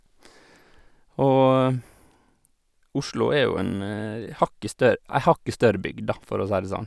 Og Oslo er jo en hakket størr ei hakket størret bygd, da, for å si det sånn.